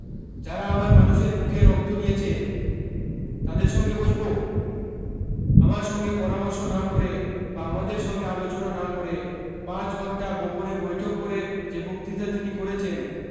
যারা আমার মানুষের বুকের রক্ত নিয়েছে তাদের সঙ্গে বসবো আমার সঙ্গে পরামর্শ না করে বা আমাদের সঙ্গে আলোচনা না করে পাঁচ ঘণ্টা গোপনে বৈঠক করে যে বক্তৃতা তিনি করেছেন